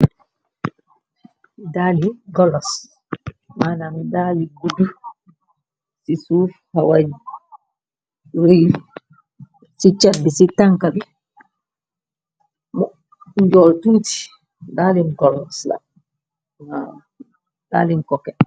Daali golos manami daali gudd ci suuf hawar rif. Ci cat bi ci tanka bi unjool tuuti daalin golosla daalin kokket.